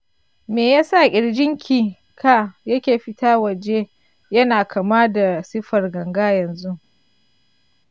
me yasa ƙirjinki/ka yake fita waje yana kama da siffar ganga yanzu?